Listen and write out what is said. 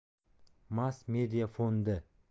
mass media fondi